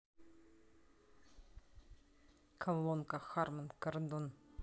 колонка харман кордон